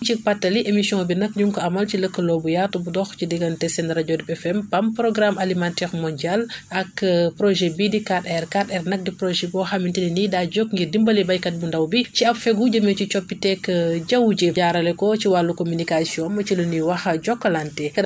ci pàttali émission bi nag ñu ngi ko amal ci lëkkaloo bu yaatu bu dox ci diggante seen rajo RIP FM PAM programme alimentaire mondial ak projet bii di 4R 4Rnag di projet boo xamante ne nii daa jóg ngir dimbale béykat bu ndaw bi ci ab fegu jëmee ci coppiteg jaww ji jaarale ko ci wàllu communication ci li ñuy wax Jokalante